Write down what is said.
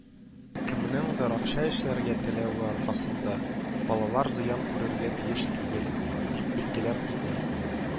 “кемнеңдер акча эшләргә теләве аркасында балалар зыян күрергә тиеш түгел”, - дип билгеләп узды.